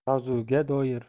mavzuga doir